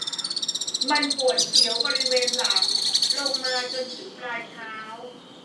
มันปวดเสียวบริเวณหลังลงมาจนถึงปลายเท้า